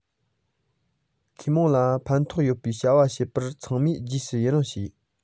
ཁོས དམངས ལ ཕན ཐོགས ཡོད པའི བྱ བ བྱེད པར ཚང མས རྗེས སུ ཡི རང བྱས